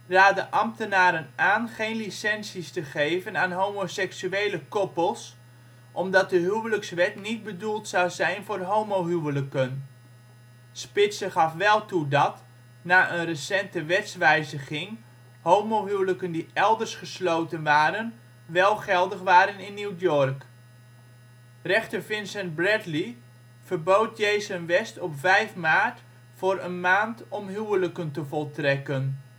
raadde ambtenaren aan geen licenties te geven aan homoseksuele koppels, omdat de huwelijkswet niet bedoeld zou zijn voor homohuwelijken. Spitzer gaf wel toe dat, na een recente wetswijziging, homohuwelijken die elders gesloten waren wel geldig waren in New York. Rechter Vincent Bradley verbood Jason West op 5 maart voor een maand om huwelijken te voltrekken